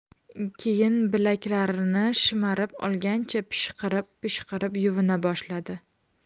keyin bilaklarini shimarib olgancha pishqirib pishqirib yuvina boshladi